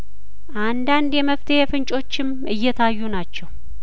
አንዳንድ የመፍትሄ ፍንጮችም እየታዩ ናቸው